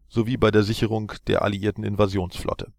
sowie bei der Sicherung der Alliierten Invasionsflotte